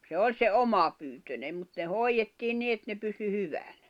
se oli se omapyyntinen mutta ne hoidettiin niin että ne pysyi hyvänä